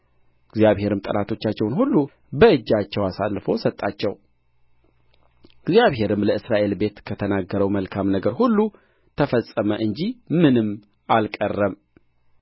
እግዚአብሔርም ጠላቶቻቸውን ሁሉ በእጃቸው አሳልፎ ሰጣቸው እግዚአብሔር ለእስራኤል ቤት ከተናገረው መልካም ነገር ሁሉ ተፈጸመ እንጂ ምንም አልቀረም